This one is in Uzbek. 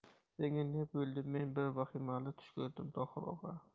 senga ne bo'ldi men bir vahimali tush ko'rdim tohir og'a